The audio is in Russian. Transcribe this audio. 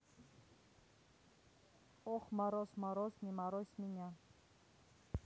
ох мороз мороз не морозь меня